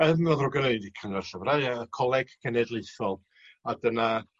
yym ma' ddrwg gennai nid cyngor llyfrau yy coleg cenedlaethol a dyna